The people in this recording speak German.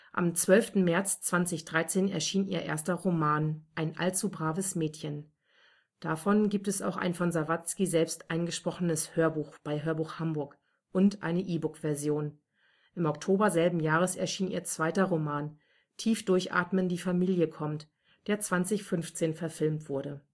Am 12. März 2013 erschien ihr erster Roman Ein allzu braves Mädchen. Davon gibt es auch ein von Sawatzki selbst eingesprochenes Hörbuch (bei Hörbuch Hamburg) und eine E-Book-Version. Im Oktober selben Jahres erschien ihr zweiter Roman Tief durchatmen, die Familie kommt, der 2015 verfilmt wurde